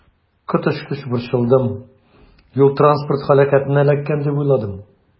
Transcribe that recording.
Коточкыч борчылдым, юл-транспорт һәлакәтенә эләккән дип уйладым.